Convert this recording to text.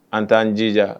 An t'an jija